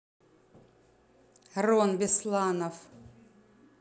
рон бесланов